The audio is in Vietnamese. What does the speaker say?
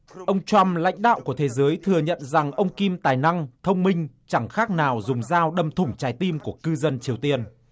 ông trăm lãnh đạo của thế giới thừa nhận rằng ông kim tài năng thông minh chẳng khác nào dùng dao đâm thủng trái tim của cư dân triều tiên